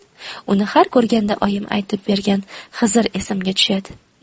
uni har ko'rganda oyim aytib bergan xizr esimga tushadi